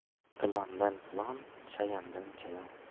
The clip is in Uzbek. ilondan ilon chayondan chayon